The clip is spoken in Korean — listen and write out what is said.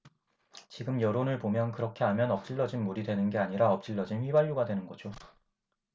지금 여론을 보면 그렇게 하면 엎질러진 물이 되는 게 아니라 엎질러진 휘발유가 되는 거죠